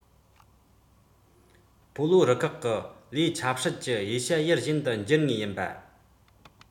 སྤོ ལོ རུ ཁག གི ལས ཆབ སྲིད ཀྱི དབྱེ བྱ ཡུལ གཞན དག ཏུ གྱུར ངེས ཡིན པ